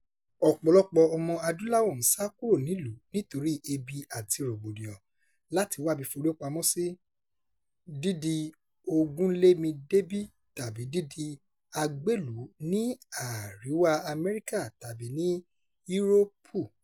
Ọ̀pọ̀lọpọ̀ Ọmọ-adúláwọ̀ ń sá kúrò nílùú nítorí ebi àti rògbòdìyàn, láti wábi forí pamọ́ sí, dídi ogúnlémidébí tàbí dídi agbélùú ní Àréwá Amẹ́ríkà tàbí ní Éróòpù.